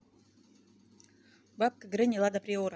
бабка гренни лада приора